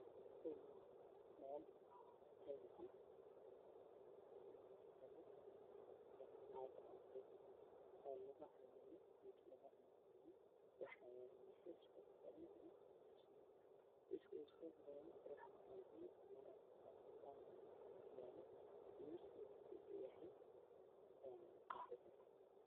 Waa meel hutel ah oo maqayad okle lagu caweeyo ama lagu cunteeda waxaa ag yaalo miis midabkisa yahay qaxwi